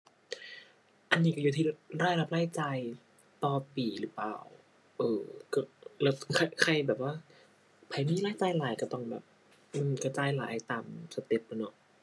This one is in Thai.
อันนี้ก็อยู่ที่รายรับรายจ่ายต่อปีหรือเปล่า เอ่อ คะ ใครแบบว่า ไผมีรายจ่ายหลายก็ต้องแบบ อือ ก็จ่ายหลายตามสเต็ปล่ะเนาะ